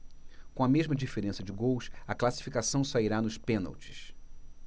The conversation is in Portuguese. com a mesma diferença de gols a classificação sairá nos pênaltis